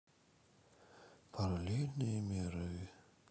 параллельные миры